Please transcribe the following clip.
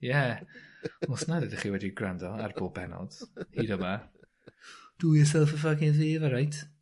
ie. Os nad ydych chi wedi grando ar bob bennod hyd yma do yourself a fuckin favour right?